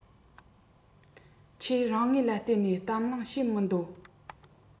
ཁྱེད རང ངོས ལ ལྟོས ནས གཏམ གླེང བྱེད མི འདོད